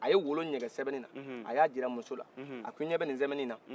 a ye wolo nin ɲɛgɛn sɛbɛnin na a y'a jira a muso la a ko i ɲɛbe nin sebɛnin na